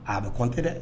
A bɛ kɔn tɛ dɛ